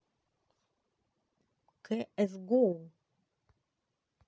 кэ эс гоу